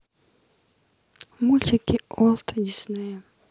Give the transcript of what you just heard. мультики уолт диснея